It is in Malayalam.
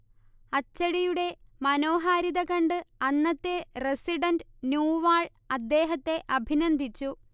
അച്ചടിയുടെ മനോഹാരിത കണ്ട് അന്നത്തെ റസിഡന്റ് നൂവാൾ അദ്ദേഹത്തെ അഭിനന്ദിച്ചു